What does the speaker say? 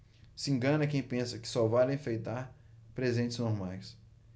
se engana quem pensa que só vale enfeitar presentes normais